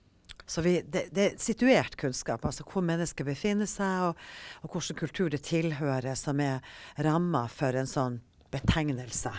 så vi det det er situert kunnskap, altså hvor mennesker befinner seg og og hvilken kultur det tilhører som er ramma for en sånn betegnelse.